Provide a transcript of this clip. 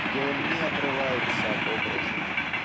где он не отрывается от образов.